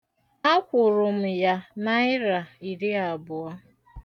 A kwụrụ m ya naịra iri abụọ.